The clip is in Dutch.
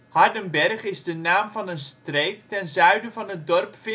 Hardenberg is de naam van een streek ten zuiden van het dorp